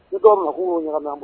Ne tɔgɔ makun' ɲɛna na